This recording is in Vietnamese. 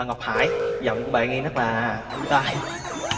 ngọc hải giọng của bạn nghe rất là vui tai